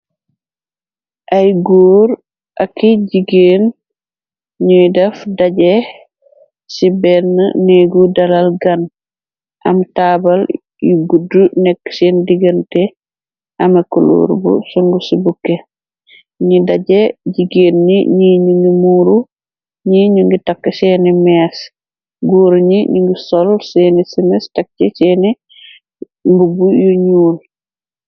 ay góor aki jigeen ñuy def daje ci benn neegu dalal gan am taabal yu gudd nekk seen digante amekuluur bu sungu ci bukke ni daje jigeen ñi ñi ñu nu muuru ñi ñu ngi takk seeni mees góor ñi ñu ngi sol seeni semis takci seeni mubu yu ñuul.